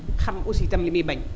xam aussi itam li muy bañ